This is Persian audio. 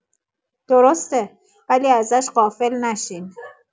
درسته.. ولی ازش غافل نشین